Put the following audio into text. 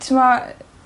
T'mo'?